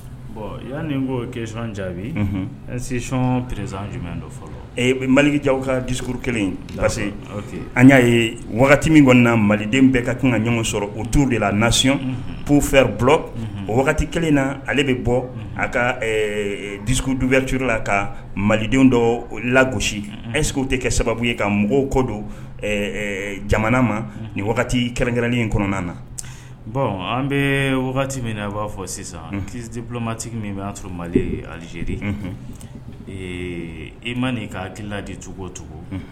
Y'a ko ke jaabire maliki ja ka dusukuru kelen an y'a ye wagati min kɔni na maliden bɛɛ ka kan ka ɲɔgɔn sɔrɔ o tu de la nasiy pofɛ o wagati kelen na ale bɛ bɔ a ka dusuku du wɛrɛ t la ka malidenw dɔ lagosi ɛsew tɛ kɛ sababu ye ka mɔgɔw kɔ don jamana ma ni kɛrɛnkɛrɛnlen in kɔnɔna na bon an bɛ wagati min na a u b'a fɔ sisan tidibumatigi min y'a sɔrɔ mali alizeri i ma nin ka hakilila de cogo o tugun